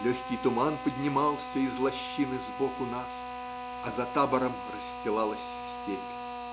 легкий туман поднимался из лощины сбоку нас, а за табором расстилалась степь.